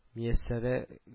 Мияссә